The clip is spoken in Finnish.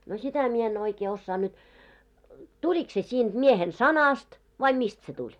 no sitä minä en oikein osaa nyt tuliko se siitä miehen sanasta vai mistä se tuli